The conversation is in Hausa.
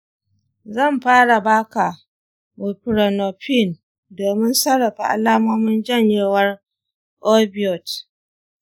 zan fara ba ka buprenorphine domin sarrafa alamomin janyewar opioid.